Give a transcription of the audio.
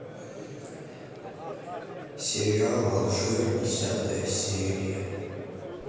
сериал алжир десятая серия